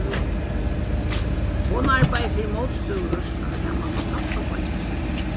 hon arbeiðir fyri mótstøðurørsluna saman við abbabeiggja sínum